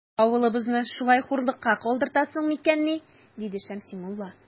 Авылыбызны шулай хурлыкка калдыртасың микәнни? - диде Шәмси мулла.